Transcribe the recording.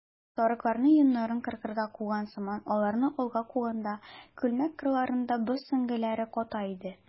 Сарыкларны йоннарын кыркырга куган сыман аларны алга куганда, күлмәк кырларында боз сөңгеләре ката иде.